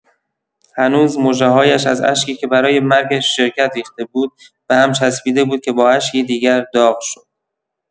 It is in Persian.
هنوز مژه‌هایش از اشکی که برای مرگ شرکت ریخته بود، به‌هم چسبیده بود که با اشکی دیگر داغ شد.